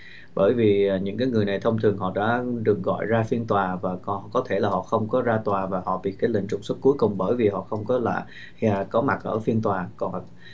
bởi vì những cái người này thông thường họ đã được gọi ra phiên tòa và còn có thể là họ không có ra tòa và họ bị cái lệnh trục xuất cuối cùng bởi vì họ không có lại à có mặt ở phiên tòa còn